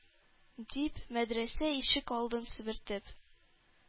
Дип, мәдрәсә ишек алдын себертеп,